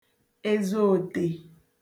ezeòte